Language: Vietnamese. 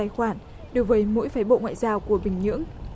tài khoản đối với mỗi phái bộ ngoại giao của bình nhưỡng